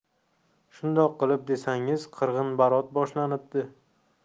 shundoq qilib desangiz qirg'inbarot boshlanibdi